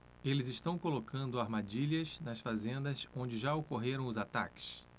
eles estão colocando armadilhas nas fazendas onde já ocorreram os ataques